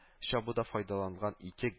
Чабуда файдаланган ике